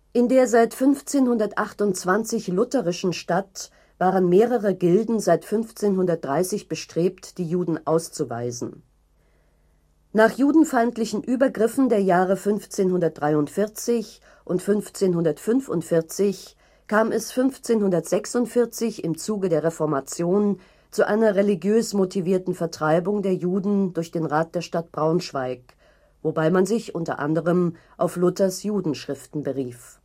In der seit 1528 lutherischen Stadt waren mehrere Gilden seit 1530 bestrebt, die Juden auszuweisen. Nach judenfeindlichen Übergriffen der Jahre 1543 und 1545 kam es 1546 im Zuge der Reformation zu einer religiös motivierten Vertreibung der Juden durch den Rat der Stadt Braunschweig, wobei man sich u. a. auf Luthers Judenschriften berief